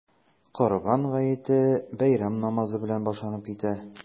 Корбан гаете бәйрәм намазы белән башланып китә.